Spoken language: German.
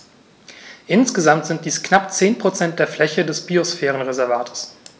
Insgesamt sind dies knapp 10 % der Fläche des Biosphärenreservates.